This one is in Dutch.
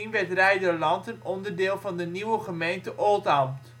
werd Reiderland een onderdeel van de nieuwe gemeente Oldambt